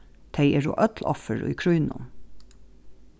tey eru øll offur í krígnum